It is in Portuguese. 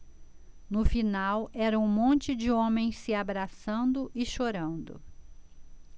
no final era um monte de homens se abraçando e chorando